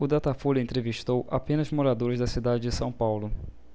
o datafolha entrevistou apenas moradores da cidade de são paulo